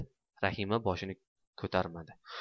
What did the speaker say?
rahima boshini ko'tarmadi